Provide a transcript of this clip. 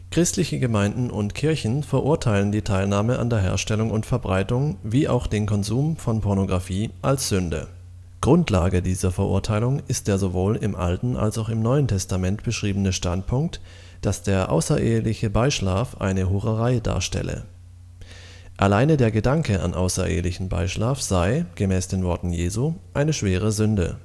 Christliche Gemeinden und Kirchen verurteilen die Teilnahme an der Herstellung und Verbreitung wie auch den Konsum von Pornografie als Sünde. Grundlage dieser Verurteilung ist der sowohl im Alten als auch im Neuen Testament beschriebene Standpunkt, dass der außereheliche Beischlaf eine „ Hurerei “darstelle. Alleine der Gedanke an außerehelichen Beischlaf sei, gemäß den Worten Jesu, eine schwere Sünde